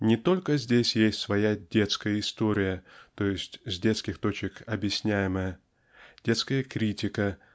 Не только здесь есть своя детская история, т. е. с детских точек объясняемая детская критика